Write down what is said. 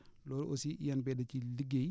loolu aussi INP da ciy liggéey